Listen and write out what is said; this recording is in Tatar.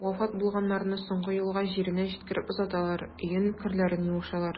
Вафат булганнарны соңгы юлга җиренә җиткереп озаталар, өен, керләрен юышалар.